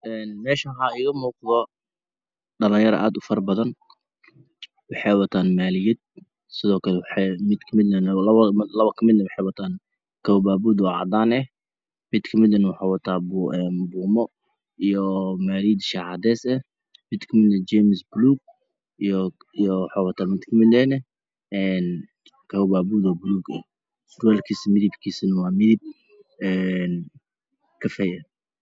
Meshaan waxaa iga muuqda dhalin yaro aad udara padan waxii wataan maliyad lapa kamidna waxii wataan kapa puud oo cadaan ah mid kamidna waxuu wataa maliyad shaa cadees ah mid kamidna jemis puluug kapuud oo puluug ah surwaalkiisana midapkisna wa midap kafee ah